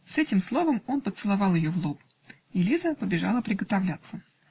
С этим словом он поцеловал ее в лоб, и Лиза побежала приготовляться.